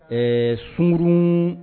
Ɛɛ sunurun